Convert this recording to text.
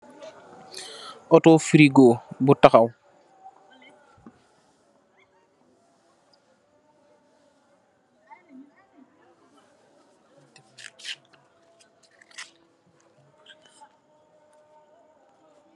Auto firgo bu taxaw.